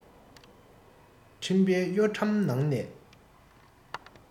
འཕྲིན པས གཡོ ཁྲམ ནང ནས